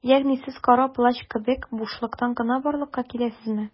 Ягъни сез Кара Плащ кебек - бушлыктан гына барлыкка киләсезме?